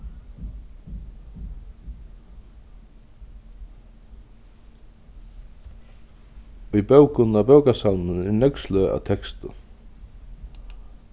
í bókunum á bókasavninum eru nógv sløg av tekstum